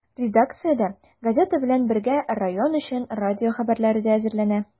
Редакциядә, газета белән бергә, район өчен радио хәбәрләре дә әзерләнә.